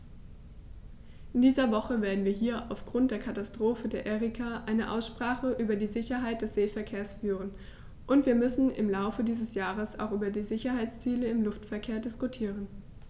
In dieser Woche werden wir hier aufgrund der Katastrophe der Erika eine Aussprache über die Sicherheit des Seeverkehrs führen, und wir müssen im Laufe dieses Jahres auch über die Sicherheitsziele im Luftverkehr diskutieren.